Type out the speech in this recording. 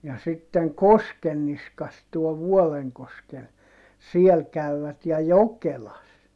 ja sitten Koskenniskassa tuo Vuolenkoski siellä kävivät ja Jokelassa